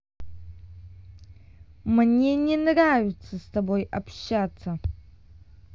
мне не нравится с тобой общаться